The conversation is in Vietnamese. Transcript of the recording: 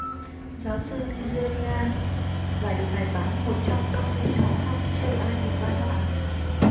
giáo sư nigeria giải được bài toán một trăm năm mươi sáu năm chưa ai tìm ra đáp án